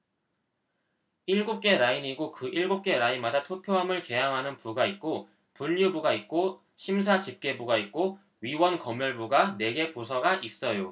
일곱 개 라인이고 그 일곱 개 라인마다 투표함을 개함하는 부가 있고 분류부가 있고 심사집계부가 있고 위원검열부가 네 개 부서가 있어요